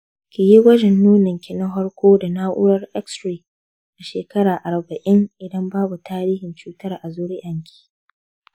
kiyi gwajin nononki na farko da na'urar x-ray a shekara arba'in idan babu tarihin cutar a zuriyanki.